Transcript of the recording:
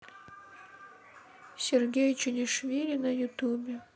сергей чонишвили на ютуб